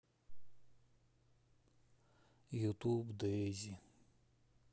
ютуб дейзи